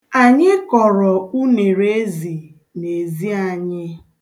Anyị kọrọ unerezi n'ezi anyị.